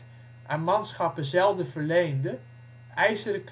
aan manschappen zelden verleende, IJzeren